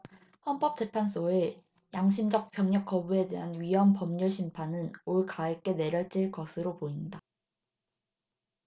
헌법재판소의 양심적 병역거부에 대한 위헌 법률심판은 올가을께 내려질 것으로 보인다